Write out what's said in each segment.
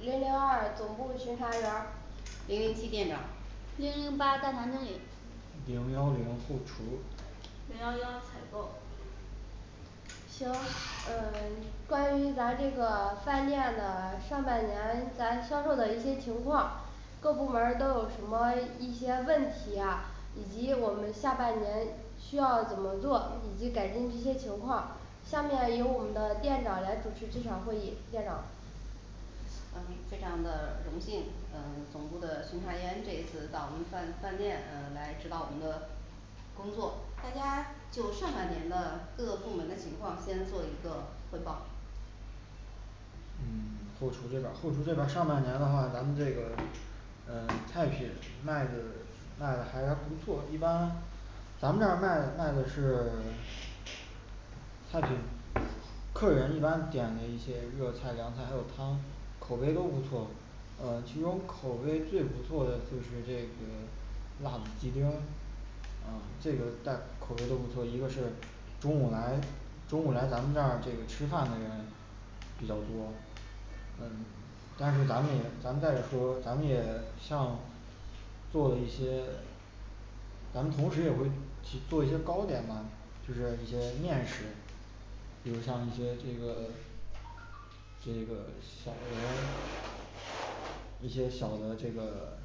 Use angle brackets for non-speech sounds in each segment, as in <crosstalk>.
零零二总部巡查员儿零零七店长零零八大堂经理零幺零后厨零幺幺采购行嗯 <silence> 这关于咱这个饭店的上半年咱销售的一些情况各部门儿都有什么一些问题呀，以及我们下半年需要怎么做以及改进这些情况下面由我们的店长来主持这场会议，店长嗯非常的荣幸嗯总部的巡查员这一次到我们饭饭店嗯来指导我们的工作大家就上半年的各个部门的情况先做一个汇报嗯 <silence> 后厨这边儿后厨这边儿上半年的话，咱们这个嗯菜品卖的卖的还是不错一般咱们这儿卖的卖的是 <silence> 菜品客人一般点的一些热菜、凉菜，还有汤口碑都不错呃其中口碑最不错的就是这个辣子鸡丁嗯这个但口碑都不错，一个是中午来中午来咱们这儿这个吃饭的人比较多嗯但是咱们也咱们再者说咱们也像做了一些咱们同时也会去做一些糕点嘛，就是一些面食比如像一些这个这个小呃一些小的这个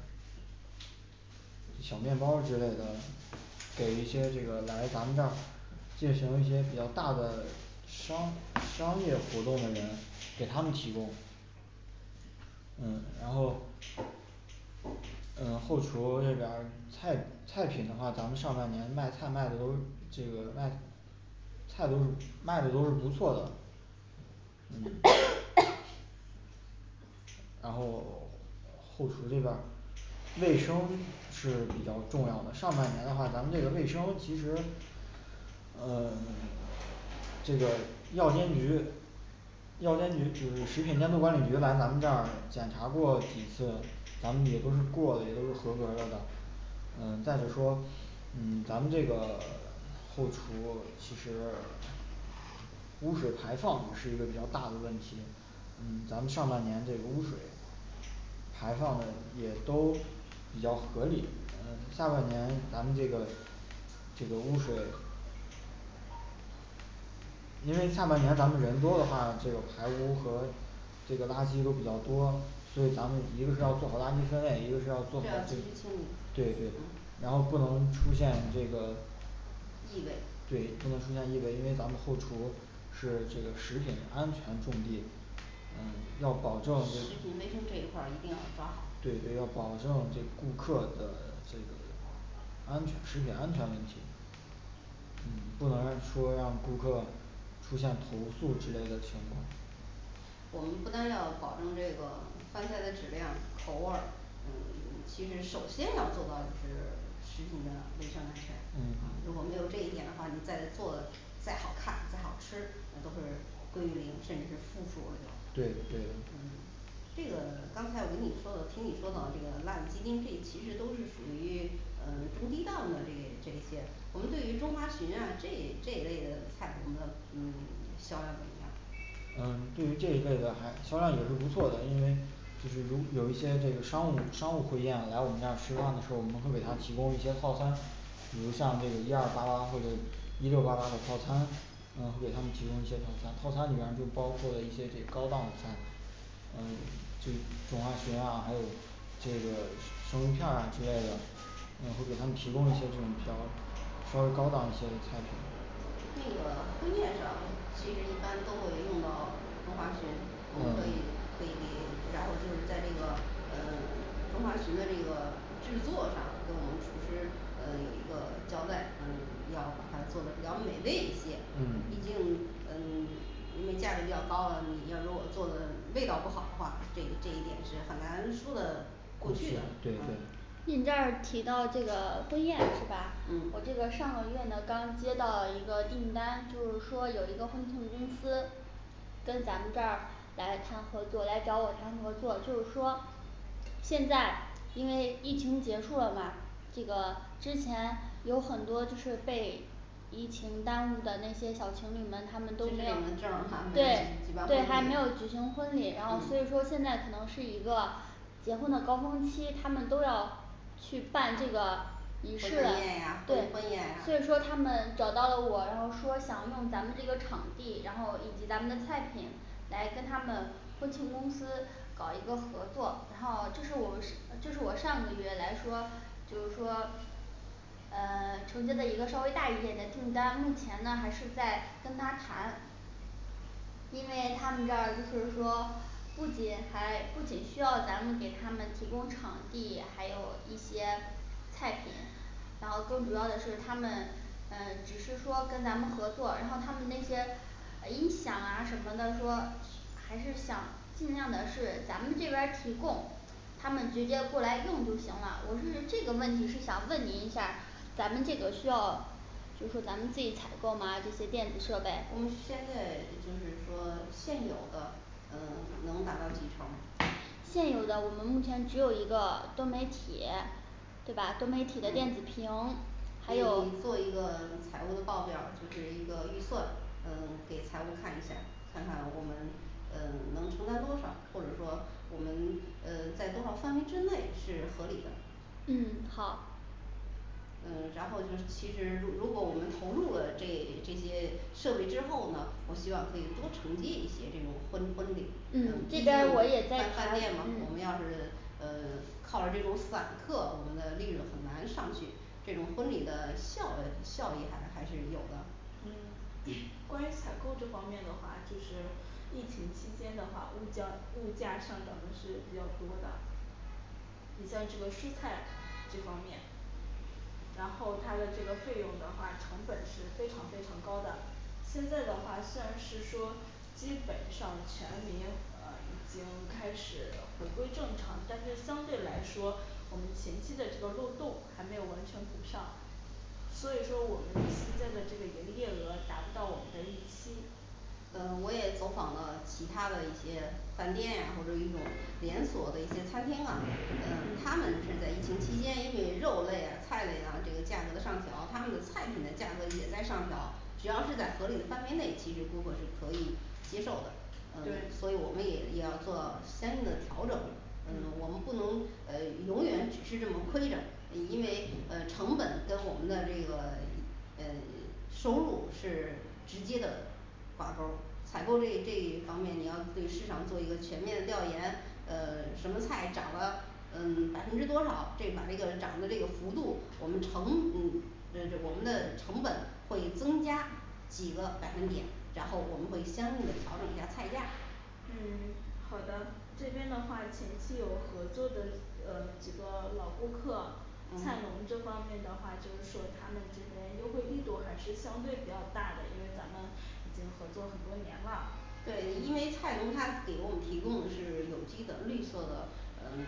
就小面包儿之类的给一些这个来咱们这儿进行一些比较大的商商业活动的人，给他们提供。嗯然后嗯后厨这边儿菜菜品的话，咱们上半年卖菜卖的都是这个卖菜都是卖的都是不错的。嗯 <hesitation> 然后 <silence> 后厨这边儿卫生是比较重要的，上半年的话咱们这个卫生其实嗯 <silence> 这个药监局药监局就是食品监督管理局来咱们这儿检查过几次，咱们也都是过的也都是合格儿的咱。嗯再者说嗯咱们这个 <silence> 后厨其实污水排放也是一个比较大的问题嗯咱们上半年这个污水排放的也都比较合理。咱们下半年咱们这个这个污水因为下半年咱们人多的话，这个排污和这个垃圾都比较多所以咱们一个是要做好垃圾分类，一个是这要要做好及时清理对对对然后不能出现这个异味对，不能出现异味，因为咱们后厨是这个食品安全重地嗯要保食品证卫这个生这一块儿一定要抓对好对，要保证这顾客的这个安全食品安全问题嗯不能说让顾客出现投诉之类的情况我们不单要保证这个饭菜的质量口味儿嗯那个其实首先要做到就是食品的卫生安全啊嗯，如果没有这一点的话，你再做再好看再好吃，那都是归于零甚至是负数儿的对对的嗯这个 <silence> 刚才我跟你说的听你说到这个辣子鸡丁这其实都是属于嗯中低档的这这一些，我们对于中华鲟啊这这一类的菜，我们的嗯 <silence> 销量怎么样？嗯对于这一类的还销量也是不错的，因为就是如有一些这个商务商务会宴，来我们这儿吃饭的时候，我们会给他提供一些套餐比如像这个一二八八或者一六八八的套餐嗯会给他们提供一些套餐套餐里面儿就包括了一些这高档的菜，嗯就中华鲟啊还有这个是 <unintelligible> 生鱼片儿啊之类的嗯都给他们提供一些这种比较稍微高档一些的菜品这个婚宴上其实一般都会用到中华鲟我们可以嗯可以然后就是在那个嗯 <silence> 中华鲟的这个制作上跟我们厨师呃有一个交代嗯要把它做的比较美味一些毕嗯竟嗯 <silence> 因为价格比较高了，你要给我做的味道不好的话，这一这一点是很难说的过过去去的的对嗯对您这儿提到这个 <silence> 婚宴是吧？ 我这嗯个上个月呢刚接到一个订单就是说有一个婚庆公司跟咱们这儿来谈合作，来找我谈合作就是说现在因为疫情结束了嘛这个之前有很多就是被疫情耽误的那些小情侣们，只是领了他们都没有对证对儿还还没没有有举举举办婚礼行婚礼，然后所以嗯说现在可能是一个结婚的高峰期，他们都要去办这个仪回式门宴呀，婚对婚宴呀，所以说他们找到了我，然后说想用咱们这个场地，然后以及咱们的菜品来跟他们婚庆公司搞一个合作，然后这是我是 <unintelligible> 这是我上个月来说就是说嗯 <silence> 承接的一个稍微大一点的订单，目前呢还是在跟他谈。因为他们这儿就是说不仅还不仅需要咱们给他们提供场地，还有一些菜品然后更主要的是他们嗯只是说跟咱们合作，然后他们那些呃音响啊什么的说还是想尽量的是咱们这边儿提供，他们直接过来用就行了，我是这个问题是想问您一下儿，咱们这个需要就说咱们自己采购吗这些电子设我备，们现在就是说现有的嗯 <silence> 能达到几成？现有的我们目前只有一个多媒体对吧？多媒体的电子屏嗯还你有你做一个 <silence> 财务报表儿，就是一个预算嗯 <silence> 给财务看一下儿，看看我们嗯 <silence> 能承担多少，或者说我们嗯 <silence> 在多少范围之内是合理的。嗯好嗯 <silence> 然后就是其实如如果我们投入了这 <silence> 这些设备之后呢，我希望可以多承接一些这种婚婚礼，咱们其嗯这边儿我也实，饭在饭谈店吗，我们嗯要是嗯 <silence> 靠着这种散客，我们的利润很难上去这种婚礼的效呃效益还还是有的嗯 <crosstalk> 关于采购这方面的话，就是疫情期间的话，物讲物价上涨的是比较多的你像这个蔬菜这方面然后它的这个费用的话成本是非常非常高的现在的话虽然是说基本上全民呃已经开始回归正常，但是相对来说我们前期的这个漏洞还没有完全补上所以说我们现在的这个营业额达不到我们的预期。嗯我也走访了其他的一些饭店呀或者一种连锁的一些餐厅啊，嗯他嗯们是在疫情期间，因为肉类啊菜类啊这个价格的上调他们的菜品的价格也在上调只要是在合理的范围内，其实顾客是可以接受的嗯 <silence> 所以对我们也也要做相应的调整嗯我们嗯不能嗯永远只是这么亏着因为呃成本跟我们的这个 <silence> 嗯 <silence> 收入是直接的挂钩儿采购这一这一方面，你要对市场做一个全面调研，呃 <silence> 什么菜涨了嗯 <silence> 百分之多少，这把这个涨的这个幅度，我们的成嗯这个我们的成本会增加几个百分点，然后我们可以相应的调整一下儿菜价。嗯 <silence> 好的这边的话前期有合作的呃几个老顾客菜嗯农这方面的话，就是说他们这边优惠力度还是相对比较大的，因为咱们已经合作很多年了对，因为菜农他给我们提供的是有机的绿色的嗯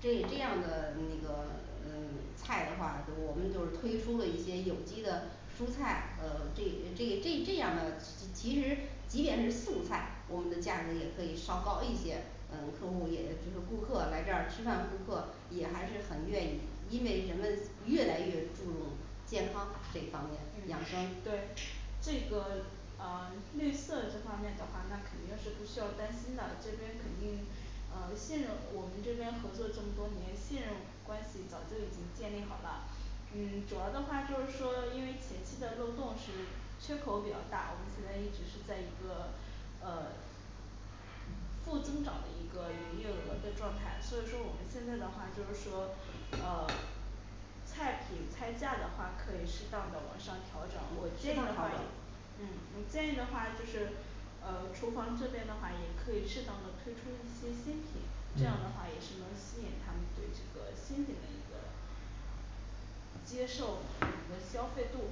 这这样儿的那个嗯 <silence> 菜的话，就是我们就是推出了一些有机的蔬菜呃这这这这样儿的，其其实即便是素菜，我们的价格也可以稍高一些，嗯客户也就是顾客来这儿吃饭，顾客也还是很愿意，因为人们越来越注重健康这方面，养生对这个啊绿色这方面的话那肯定是不需要担心的，这边肯定啊信任我们这边合作这么多年，信任关系早就已经建立好了。嗯 <silence> 主要的话就是说因为前期的漏洞是缺口比较大，我们现在一直是在一个呃负增长的一个营业额的状态，所以说我们现在的话就是说呃 <silence> 菜品菜价的话可以适当的往上调整，我嗯建议上的调话也嗯嗯建议的话就是呃厨房这边的话也可以适当的推出一些新品这样的话嗯也是能吸引他们对这个新品的一个接受你的一个消费度。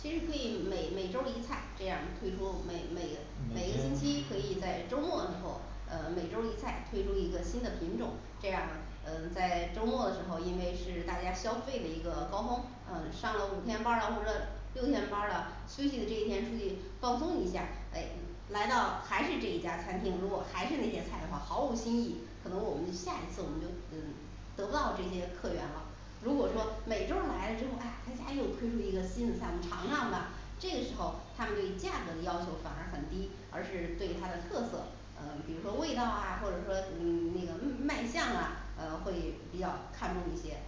其实可以每每周儿一菜这样儿推出，每每每每个星期天可以在周末的时候，嗯每周儿一菜推出一个新的品种，这样儿呃在周末的时候，因为是大家消费的一个高峰，嗯上了五天班儿了或者六天班儿了休息的这一天出去放松一下诶来到还是这一家餐厅，如果还是那些菜的话毫无新意，可能我们下一次我们就嗯得不到这些客源了如果说对每周儿来了之后，哎呀他家又推出一个新的项目尝尝吧，这个时候他们对价格的要求反而很低，而是对它的特色呃比如说味道啊或者说嗯那个嗯卖相啊嗯会比较看重一些。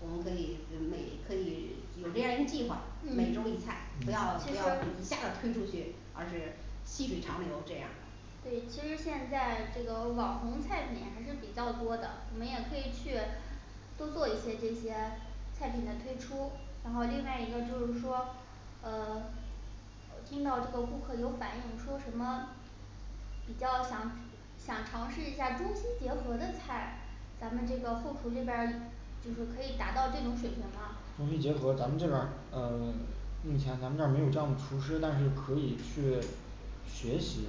我们可以就是每可以有这样儿一个计划，每周儿一嗯菜不要不嗯要一其实下子推出去，而是细水长流这样儿对，其实现在这个网红菜品还是比较多的，我们也可以去多做一些这些菜品的推出。然后另外一个就是说呃 <silence> 我听到这个顾客有反应说什么 <silence> 比较想想尝试一下中西结合的菜咱们这个后厨这边儿就是可以达到这种水平吗？中西结合，咱们这边儿嗯 <silence> 目前咱们这儿没有这样的厨师，但是可以去学习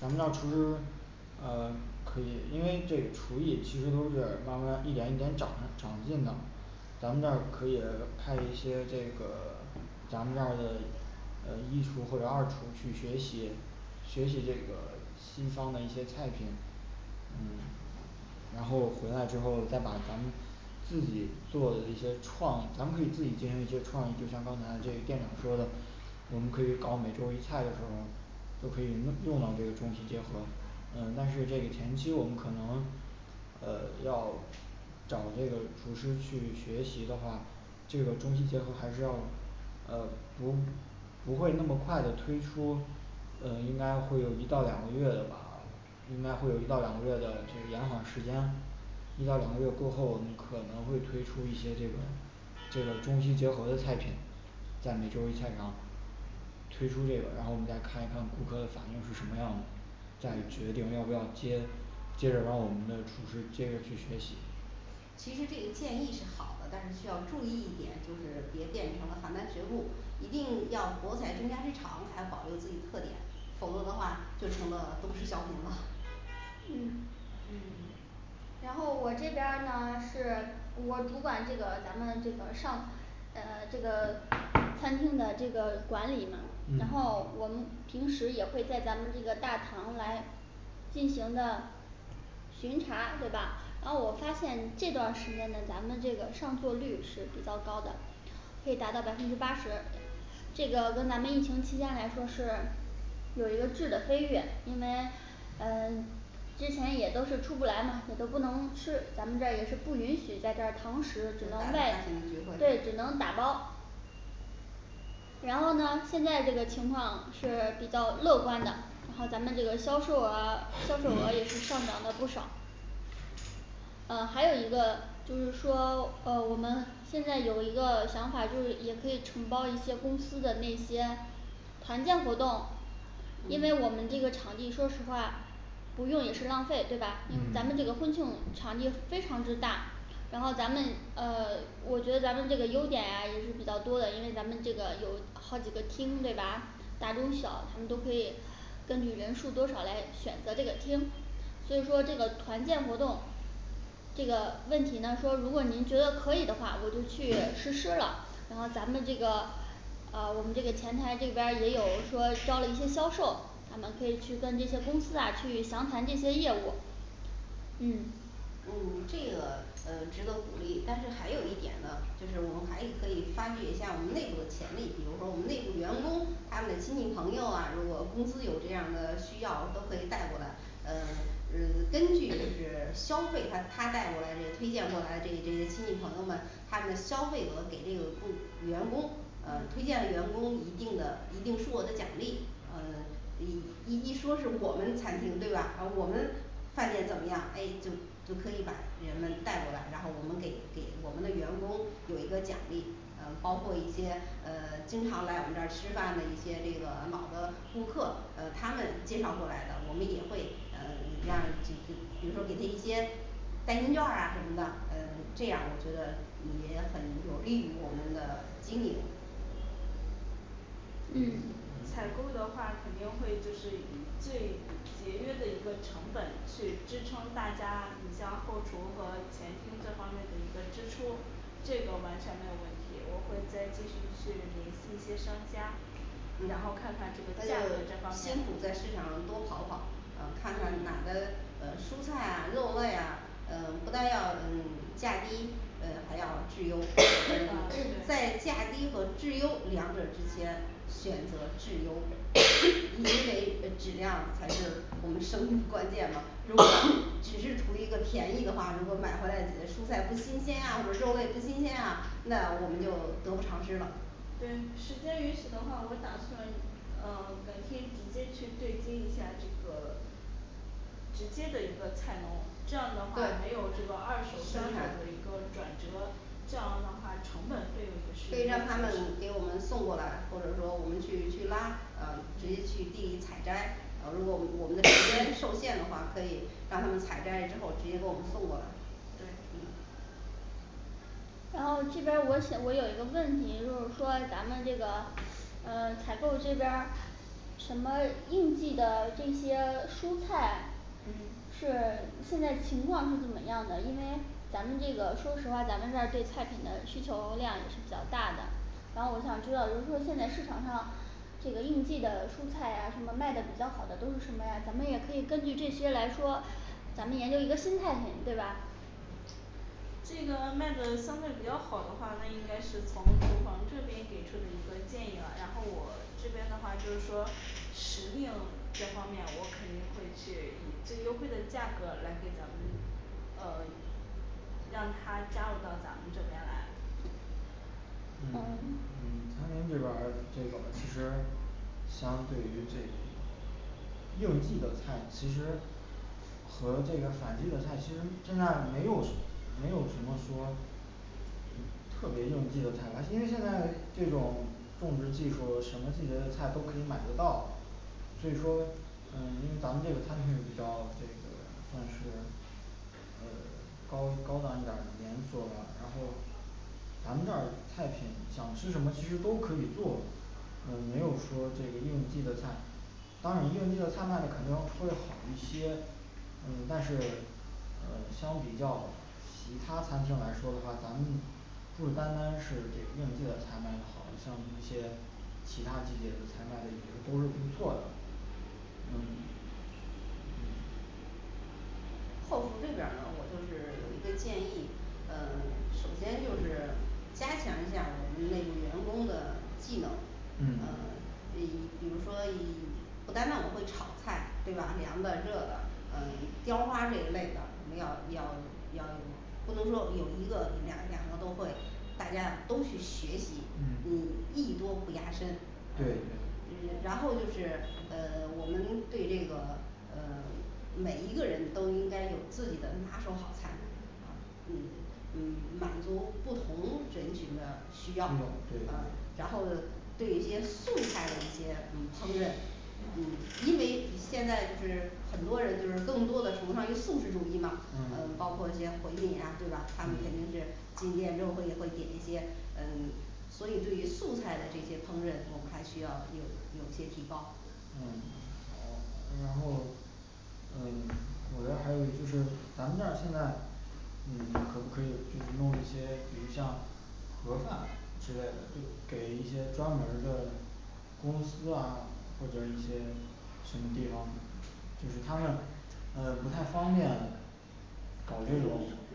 咱们这儿厨师 <silence> 嗯 <silence> 可以，因为这个厨艺其实都是慢慢一点一点长长进的咱们这儿可以派一些这个 <silence> 咱们这儿的嗯一厨或者二厨去学习学习这个 <silence> 西方的一些菜品嗯 <silence> 然后回来之后再把咱们自己做的一些创意，咱们可以自己进行一些创意，就像刚才这店长说的，我们可以搞每周儿一菜的时候，都可以们 <unintelligible> 用到这个中西结合嗯但是这个前期我们可能呃要找这个厨师去学习的话这个中西结合还是要呃不不会那么快的推出呃应该会有一到两个月的吧应该会有一到两个月的这延缓时间一到两个月过后，我们可能会推出一些这个这个中西结合的菜品在每周一菜上推出这个然后我们再看一看顾客的反应是什么样的再决定要不要接接着让我们的厨师接着去学习其实这个建议是好的，但是需要注意一点，就是别变成了邯郸学步，一定要博采众家之长还要保留自己特点否则的话就成了东施效颦了 <noise> 嗯嗯 <silence> 然后我这边儿呢是我主管这个咱们这个上呃 <silence> 这个餐厅的这个管理吗然后嗯我们平时也会在咱们这个大堂来进行的巡查对吧？然后我发现这段儿时间的咱们这个上座率是比较高的可以达到百分之八十这个跟咱们疫情期间来说是有一个质的飞跃，因为呃之前也都是出不来嘛，也都不能吃，咱们这儿也是不允许在这儿堂就咱们食只能外餐厅只对只会能打包然后呢现在这个情况是 <silence> 比较乐观的，然后咱们这个销售额销售额也是上涨了不少。嗯还有一个就是说 <silence> 呃我们现在有一个想法，就是也可以承包一些公司的那些团建活动因为我们嗯这个场地说实话不用也是浪费，对吧？嗯咱们这个嗯婚庆场地非常之大然后咱们呃 <silence> 我觉得咱们这个优点呀也是比较多的，因为咱们这个有好几个厅对吧？大中小他们都可以根据人数多少来选择这个厅所以说这个团建活动这个问题呢说如果您觉得可以的话，我就去 <silence> 实施了，然后咱们这个呃 <silence> 我们这个前台这边儿也有说招了一些销售他们可以去跟这些公司啊去详谈这些业务嗯嗯这个嗯值得鼓励，但是还有一点呢就是我们还可以发掘一下我们内部的潜力，比如说我们内部员工，他们的亲戚朋友啊，如果公司有这样儿的需要都可以带过来嗯 <silence> 嗯根据就是消费他他带过来推荐过来这这亲戚朋友们他们的消费额给那个工员工呃推嗯荐的员工一定的一定数额的奖励嗯 <silence> 一一一说是我们餐厅对吧？ 然后我们饭店怎么样诶就就可以把人们带过来，然后我们给给我们的员工有一个奖励嗯包括一些嗯 <silence> 经常来我们这儿吃饭的一些这个老的顾客，嗯他们介绍过来的，我们也会嗯 <silence> 让比比比如说给他一些代金劵儿啊什么的，嗯这样儿我觉得也很有利于我们的经营。嗯嗯采购的话肯定会就是以最节约的一个成本去支撑大家你像后厨和前厅这方面的一个支出这个完全没有问题，我会再继续去联系一些商家嗯然后看看这还个价格这方有辛面苦在市场多跑跑嗯看看哪嗯个呃蔬菜啊肉类啊嗯不但要嗯价低嗯还要质优，<hesitation> 嗯啊对在价低和质优两者之间选择质优因 <hesitation> 为质量才是我们生意关键嘛，<noise> 比如 <hesitation> 只是图一个便宜的话，如果买回来诶蔬菜不新鲜啊或者肉类不新鲜啊，那我们就得不偿失了对时间允许的话，我打算嗯改天直接去对接一下这个直接的一个菜农，这样的话没对有这个二手三手的一个转折这样的话成本费用也可以是一让他们个节省给我们送过来，或者说我们去去拉嗯直接去嗯地里采摘，呃如果我们我们的时间受 <hesitation> 限的话，可以让他们采摘之后直接给我们送过来。对嗯然后这边儿我想我有一个问题就是说咱们这个嗯采购这边儿什么应季的这些蔬菜嗯是现在情况是怎么样的？因为咱们这个说实话，咱们这儿对菜品的需求 <silence> 量也是比较大的。然后我想知道，比如说现在市场上这个应季的蔬菜啊什么卖的比较好的都是什么呀，咱们也可以根据这些来说，咱们研究一个新菜品对吧？这个卖的相对比较好的话，那应该是从厨房这边给出的一个建议了，然后我这边的话就是说时令这方面，我肯定会去以最优惠的价格来给咱们呃 <silence> 让他加入到咱们这边来。嗯嗯嗯餐厅这边儿这个其实相对于这应季的菜，其实和这个反季的菜其实现在没有什没有什么说特别应季的菜了，因为现在这种种植技术什么季节的菜都可以买得到。所以说嗯因为咱们这个餐厅是比较这个算是嗯 <silence> 高高档一点儿的连锁嘛，然后咱们这儿菜品想吃什么其实都可以做嗯没有说这个应季的菜当然应季的菜卖的肯定会好一些，嗯但是呃相比较其他餐厅来说的话，咱们不单单是这个应季的菜卖的好，像有一些其他季节的菜卖的也都是不错的。嗯嗯后厨这边儿呢我就是 <silence> 有一个建议嗯 <silence> 首先就是加强一下儿我们那个员工的技能嗯呃 <silence> 以比如说以不单单我会炒菜对吧？凉的热的嗯雕花儿这一类的，也要也要要不能说有一个两两个都会大家都去学习，你嗯艺多不压身，对对呃然然然后就是嗯 <silence> 我们对那个嗯 <silence> 每一个人都应该有自己的拿手好菜呃嗯嗯满足不同人群的需需要，要嗯对对然后对一些素菜的一些嗯烹饪嗯因为现在就是很多人就是更多的崇尚于素食主义嘛，嗯呃包括一 <silence> 些回民啊对吧？他们肯定嗯是进店之后会会点一些，嗯 <silence> 所以对于素菜的这些烹饪，我们还需要有有些提高。嗯然后，然后嗯我这儿还有一就是咱们这儿现在嗯可不可以就是弄一些比如像盒儿饭之类的，就给一些专门儿的公司啊或者一些什么地方，就是他们呃不太方便搞这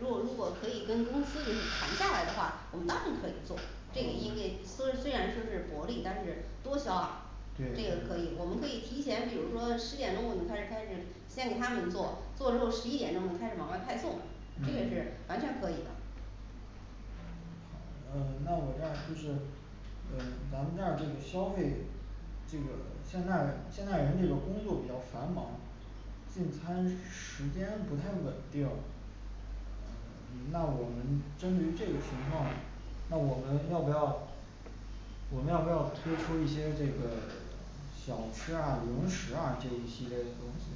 种果如果可以跟公司就是谈下来的话，我们当然可以做，这也因为说虽然说是薄利，但是多销啊这对对个可以我们可以提前比如说十点钟我们开始开始先给他们做做之后，十一点钟我们开始往外派送，这个是嗯完全可以的好嗯那我这儿就是嗯咱们这儿这个消费这个现在现在人这个工作比较繁忙定餐时间不太稳定嗯那我们针对这个情况，那我们要不要我们要不要推出一些这个小吃啊零食啊这一系列的东西？